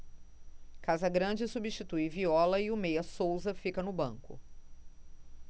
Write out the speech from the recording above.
casagrande substitui viola e o meia souza fica no banco